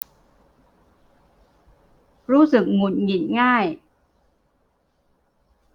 รู้สึกหงุดหงิดง่าย